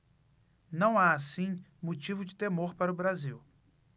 não há assim motivo de temor para o brasil